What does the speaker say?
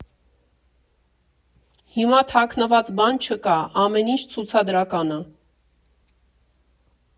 Հիմա թաքնված բան չկա, ամեն ինչ ցուցադրական ա։